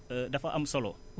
dafa am solo